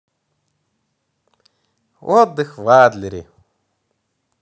отдых в адлере